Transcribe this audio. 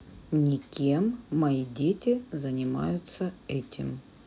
никем мои дети занимаются этим